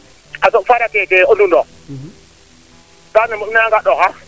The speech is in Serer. a soɓ fara keeke o Ndoundokh ka mboɓ naanga ɗoxaa